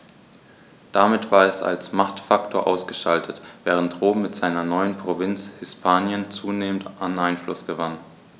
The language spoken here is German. Damit war es als Machtfaktor ausgeschaltet, während Rom mit seiner neuen Provinz Hispanien zunehmend an Einfluss gewann.